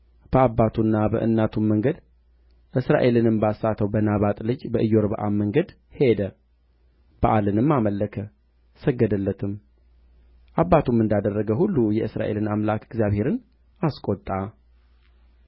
በአባቱና በእናቱም መንገድ እስራኤልንም ባሳተው በናባጥ ልጅ በኢዮርብዓም መንገድ ሄደ በኣልንም አመለከ ሰገደለትም አባቱም እንዳደረገ ሁሉ የእስራኤልን አምላክ እግዚአብሔርን አስቈጣ